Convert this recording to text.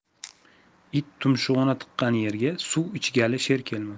it tumshug'ini tiqqan yerga suv ichgali sher kelmas